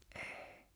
ei